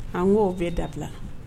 An ko bɛɛ dabila